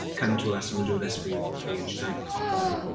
"Come to us and we'll do this for you for free" and she's like "no".